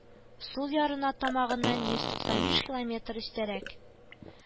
Сул ярына тамагыннан йөз туксан биш километр өстәрәк